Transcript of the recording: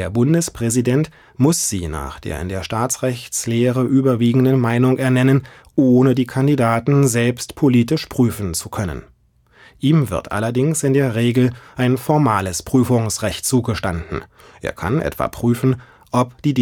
Bundespräsident muss sie nach der in der Staatsrechtslehre überwiegenden Meinung ernennen, ohne die Kandidaten selbst politisch prüfen zu können. Ihm wird allerdings in der Regel ein formales Prüfungsrecht zugestanden: Er kann etwa prüfen, ob die